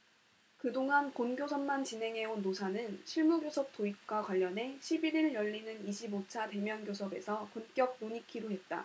그 동안 본교섭만 진행해온 노사는 실무교섭 도입과 관련해 십 일 일 열리는 이십 오 차 대면교섭에서 본격 논의키로 했다